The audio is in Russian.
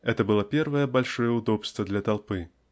Это было первое большое удобство для толпы.